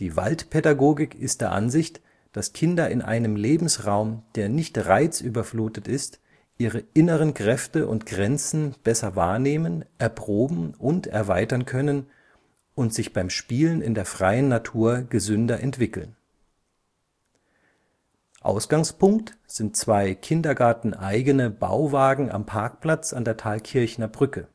Waldpädagogik ist der Ansicht, dass Kinder in einem Lebensraum, der nicht reizüberflutet ist, ihre inneren Kräfte und Grenzen besser wahrnehmen, erproben und erweitern können und sich beim Spielen in der freien Natur gesünder entwickeln. Ausgangspunkt sind zwei kindergarteneigene Bauwagen am Parkplatz an der Thalkirchner Brücke